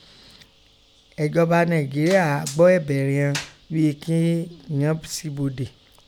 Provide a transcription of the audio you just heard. Ẹ̀jọba Nàínjeríà a gbọ́ ẹbẹ righan ghíi ki ghọn síbodè..